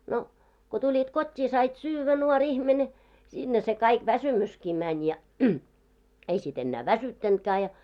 no kun tulit kotiin sait syödä nuori ihminen sinne se kaikki väsymyskin meni ja ei sitten enää väsyttänytkään ja